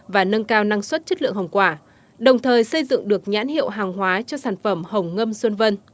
và nâng cao năng suất chất lượng hồng quả đồng thời xây dựng được nhãn hiệu hàng hóa cho sản phẩm hồng ngâm xuân vân